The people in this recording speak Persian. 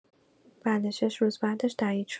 بله ۶ روز بعدش تایید شد.